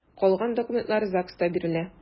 Калган документлар ЗАГСта бирелә.